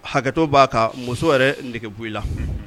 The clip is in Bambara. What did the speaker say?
Hakɛ b'a kan muso yɛrɛ nɛgɛ b i la